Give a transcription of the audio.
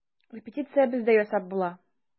Репетиция бездә ясап була.